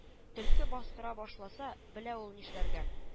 Төлке бастыра башласа белә ул нишләргә